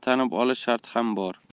tanib olish sharti ham bor